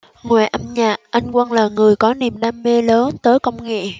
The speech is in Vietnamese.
ngoài âm nhạc anh quân là người có niềm đam mê lớn tới công nghệ